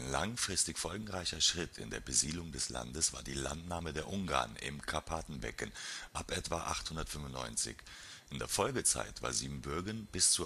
langfristig folgenreicher Schritt in der Besiedelung des Landes war die Landnahme der Ungarn im Karpatenbecken ab etwa 895. In der Folgezeit war Siebenbürgen bis